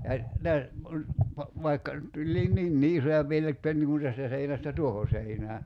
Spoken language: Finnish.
ja - kun - vaikka tulikin niinkin isoja - että niin kuin tästä seinästä tuohon seinään